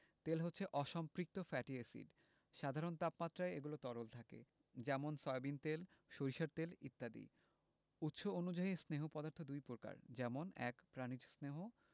তেল হচ্ছে অসম্পৃক্ত ফ্যাটি এসিড সাধারণ তাপমাত্রায় এগুলো তরল থাকে যেমন সয়াবিন তেল সরিষার তেল ইত্যাদি উৎস অনুযায়ী স্নেহ পদার্থ দুই প্রকার যেমন ১. প্রাণিজ স্নেহ